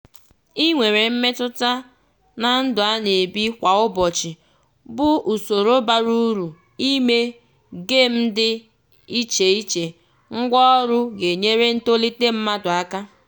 I nwere mmetụta na ndụ a na-ebi kwa ụbọchị bụ usoro bara uru ime gem dị icheiche ngwaọrụ ga-enyere ntolite mmadụ aka.